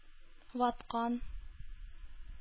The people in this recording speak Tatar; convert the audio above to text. Ваткан